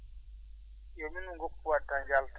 eeyi min goppu wadde haa njalta